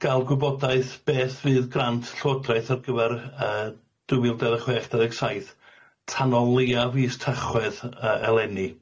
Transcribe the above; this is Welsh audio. ga'l gwybodaeth beth fydd grant llywodraeth ar gyfer y- dwy fil dau ddeg chwech dau ddeg saith tan o leia fis tachwedd y- eleni.